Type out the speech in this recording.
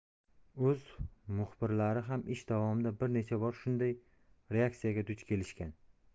uz muxbirlari ham ish davomida bir necha bor shunday reaksiyaga duch kelishgan